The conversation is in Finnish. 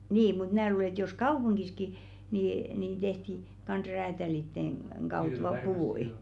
niin mutta minä luulen että jos kaupungissakin niin tehtiin kanssa räätäleiden kautta loput